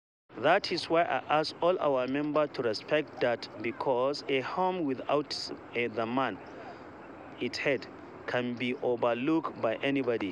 That is why I ask all our members to respect that because a home without the man (its head) can be overlooked by anybody.